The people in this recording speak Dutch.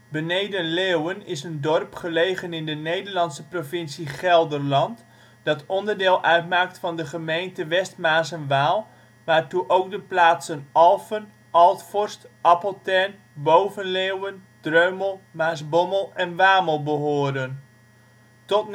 Beneden-Leeuwen is een dorp gelegen in de Nederlandse provincie Gelderland, dat onderdeel uitmaakt van de gemeente West Maas en Waal, waartoe ook de plaatsen Alphen, Altforst, Appeltern, Beneden-Leeuwen, Boven-Leeuwen, Dreumel, Maasbommel en Wamel behoren. Tot